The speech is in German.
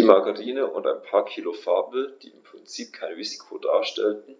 Die Margarine und ein paar Kilo Farbe, die im Prinzip kein Risiko darstellten,